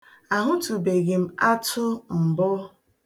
Ahụtụbeghi m atụ mbụ.